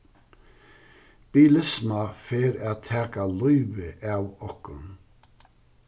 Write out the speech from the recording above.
bilisma fer at taka lívið av okkum